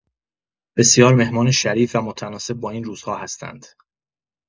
بسیار مهمان شریف و متناسب با این روزها هستند.